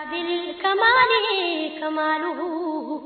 Jigin kain kadugu